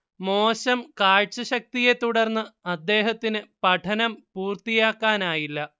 മോശം കാഴ്ച ശക്തിയെത്തുടർന്ന് അദ്ദേഹത്തിന് പഠനം പൂർത്തിയാക്കാനായില്ല